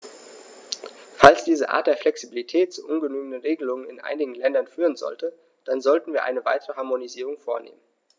Falls diese Art der Flexibilität zu ungenügenden Regelungen in einigen Ländern führen sollte, dann sollten wir eine weitere Harmonisierung vornehmen.